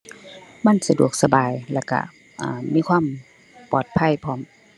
มันสะดวกสบาย แล้วก็ อ่า มีความปลอดภัยพร้อม